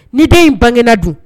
Ni den in bangegna dun